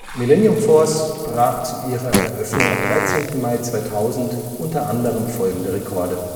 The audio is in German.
Millennium Force brach zu ihrer Eröffnung am 13. Mai 2000 unter anderem folgende Rekorde